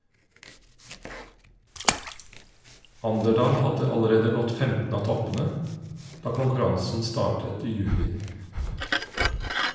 Anderdal hadde allerede gått 15 av toppene da konkurransen startet i juni.